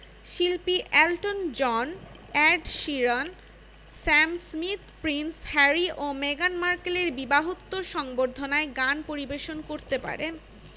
শিল্পী Elton John Ed Sheeran Sam Smith Prince Harry ও মেগান মার্কেলের বিবাহোত্তর সংবর্ধনায় গান পরিবেশন করতে পারেন